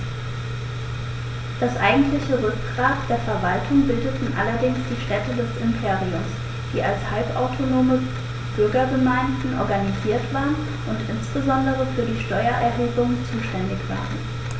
Das eigentliche Rückgrat der Verwaltung bildeten allerdings die Städte des Imperiums, die als halbautonome Bürgergemeinden organisiert waren und insbesondere für die Steuererhebung zuständig waren.